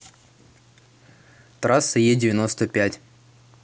трасса е девяносто пять